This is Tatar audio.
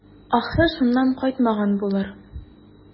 Ахры, шуннан кайтмаган булыр.